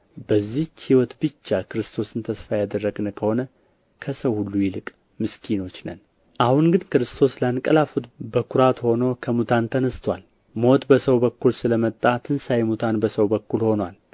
በዚች ሕይወት ብቻ ክርስቶስን ተስፋ ያደረግን ከሆነ ከሰው ሁሉ ይልቅ ምስኪኖች ነን አሁን ግን ክርስቶስ ላንቀላፉት በኩራት ሆኖ ከሙታን ተነሥቶአል ሞት በሰው በኩል ስለ መጣ ትንሣኤ ሙታን በሰው በኩል ሆኖአልና